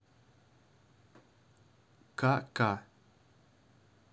ка ка